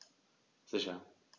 Sicher.